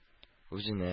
Үзенә